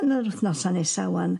yn yr wythnosa nesa 'wan